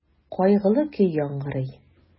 Кайгылы көй яңгырый.